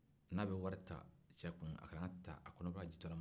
n'a bɛ wari ta cɛ kun a kana ta a kɔnɔbara jitɔlama